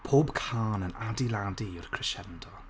Pob cân yn adeiladu i'r crescendo.